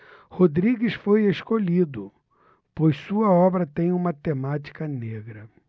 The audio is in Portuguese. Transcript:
rodrigues foi escolhido pois sua obra tem uma temática negra